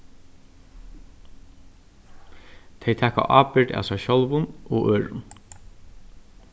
tey taka ábyrgd av sær sjálvum og øðrum